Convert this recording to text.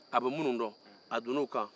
a bɛ minnuw dɔn a donna u kan